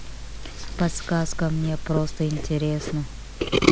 подсказка мне просто интересно